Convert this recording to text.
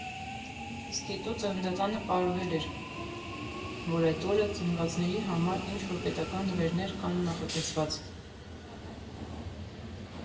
Իսկ հետո ծննդատանը պարվել էր, որ այդ օրը ծնվածների համար ինչ֊որ պետական նվերներ կան նախատեսված։